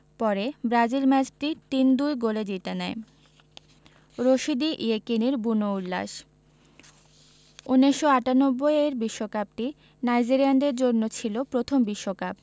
পরে ব্রাজিল ম্যাচটি ৩ ২ গোলে জিতে নেয় রশিদী ইয়েকিনীর বুনো উল্লাস ১৯৯৮ এর বিশ্বকাপটি নাইজেরিয়ানদের জন্য ছিল প্রথম বিশ্বকাপ